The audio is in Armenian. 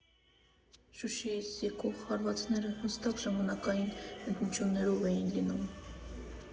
Շուշիից եկող հարվածները հստակ ժամանակային ընդմիջումներով էին լինում։